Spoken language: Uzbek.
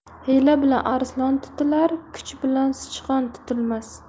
hiyla bilan arslon tutilar kuch bilan sichqon tutilmas